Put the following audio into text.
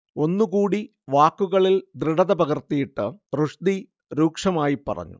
ഒന്നുകൂടി വാക്കുകളിൽ ദൃഢത പകർത്തിയിട്ട് റുഷ്ദി രൂക്ഷമായി പറഞ്ഞു